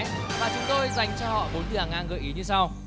chúng tôi dành cho bốn từ hàng ngang gợi ý như sau